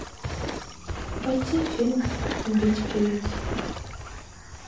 найти фильм убить певицу